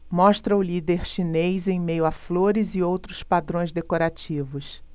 mostra o líder chinês em meio a flores e outros padrões decorativos